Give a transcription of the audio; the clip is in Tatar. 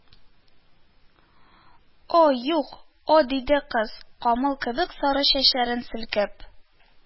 Óюк, óдиде кыз, камыл кебек сары чәчләрен селкеп